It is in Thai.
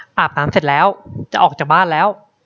อาบน้ำเสร็จแล้วจะออกจากบ้านแล้ว